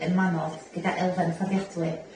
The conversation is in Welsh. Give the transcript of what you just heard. yn Manodd gyda elfen fforddiadwy.